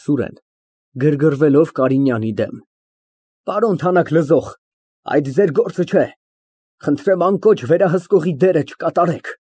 ՍՈՒՐԵՆ ֊ (Գրգռվելով Կարինյանի դեմ) Պարոն թանաքլգող, այդ ձեր գործը չէ, խնդրեմ անկոչ վերահսկողի դեր չկատարեք։